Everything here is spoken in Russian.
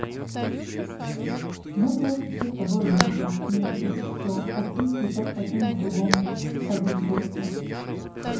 ну джой еще с тобой увидимся вместе все об их сейчас хотим к другому сходить в гости